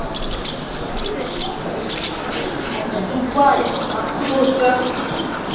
и тупая как просто